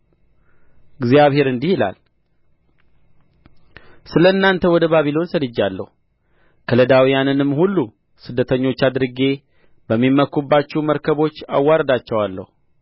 እግዚአብሔር እንዲህ ይላል ስለ እናንተ ወደ ባቢሎን ሰድጃለሁ ከለዳውያንንም ሁሉ ስደተኞች አድርጌ በሚመኩባቸው መርከቦች አዋርዳቸዋለሁ